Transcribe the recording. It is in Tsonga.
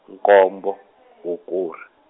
nkombo hukuri.